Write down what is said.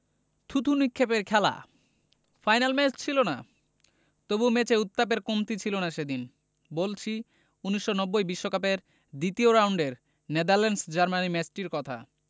থুতু নিক্ষেপের খেলা ফাইনাল ম্যাচ ছিল না তবু ম্যাচে উত্তাপের কমতি ছিল না সেদিন বলছি ১৯৯০ বিশ্বকাপের দ্বিতীয় রাউন্ডের নেদারল্যান্ডস জার্মানি ম্যাচটির কথা